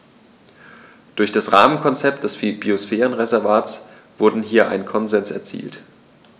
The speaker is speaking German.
Durch das Rahmenkonzept des Biosphärenreservates wurde hier ein Konsens erzielt.